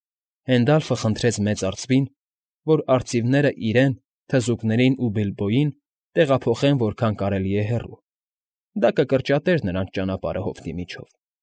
Հենդալֆը խնդրեց Մեծ արծիվին, որ արծիվները իրեն, թզուկներին ու Բիլբոյին տեղափոխեն որքան կարելի է հեռու. դա կկրճատեր նրանց ճանապարհը հովիտի միջով։